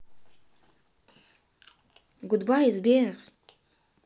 goodbye сбер